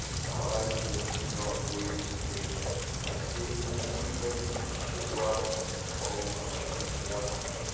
Вставайте, мертвые листы, Осенний вихорь ищет вас В полночный час.